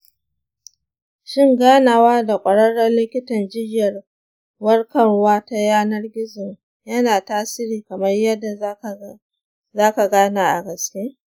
shin ganawa da ƙwararren likitan jinyar warkarwa ta yanar gizo yana tasiri kamar yadda za ka gana a gaske?